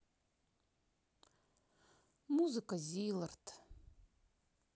музыка зиларт